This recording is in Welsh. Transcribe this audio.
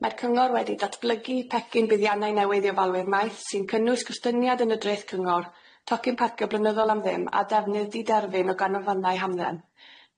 Mae'r cyngor wedi datblygu pecyn buddiannau newydd i ofalwyr maeth sy'n cynnwys gostyniad yn y dreth cyngor, tocyn parcio blynyddol am ddim a defnydd di-derfyn o ganolfannau hamdden.